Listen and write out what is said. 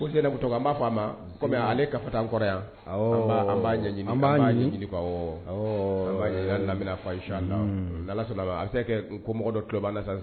Ko Zenebou tɔgɔ an b'a fɔ a ma comme ale kaf t'an kɔrɔ yan awɔɔ an b'a an b'a ɲɛɲini an b'a ɲini an b'a ɲɛɲini quoi awɔɔ an b'a ɲɛɲini hali n'an ben'a fɔ a ye inchallahu unhuun n'Ala sɔnn'a ma a be se ka kɛ komɔgɔ dɔ tulo b'an na sisan